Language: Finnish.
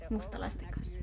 mustalaisten kanssa